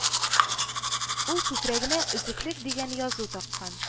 Ул күкрәгенә «Өзеклек» дигән язу таккан